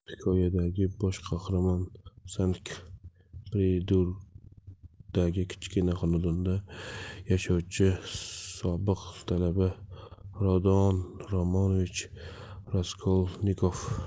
hikoyadagi bosh qahramon sankt peterburgdagi kichkina xonadonda yashovchi sobiq talaba rodion romanovich raskolnikov